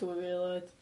Dwy fil oed.